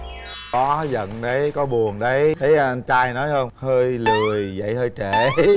có giận đấy có buồn đấy thấy anh trai nói hông hơi lười dậy hơi trễ